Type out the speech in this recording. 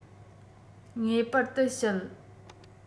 ངེས པར དུ བཤད